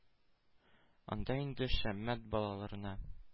Анда инде Шәммәт балаларына